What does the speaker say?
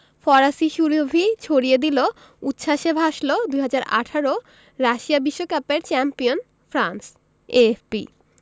ফরাসি সুরভি ছড়িয়ে দিল উচ্ছ্বাসে ভাসল ২০১৮ রাশিয়া বিশ্বকাপের চ্যাম্পিয়ন ফ্রান্স এএফপি